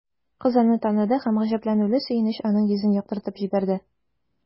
Кыз аны таныды һәм гаҗәпләнүле сөенеч аның йөзен яктыртып җибәрде.